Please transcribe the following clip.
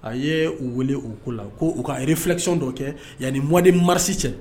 A ye u weele o ko la ko u kare fulakisɔn dɔ kɛ yanani ni mɔden marisi cɛ